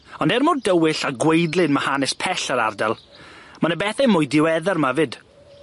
On' er mor dywyll a gwaedlyd ma' hanes pell yr ardal ma' 'na bethe mwy diweddar 'my 'fyd.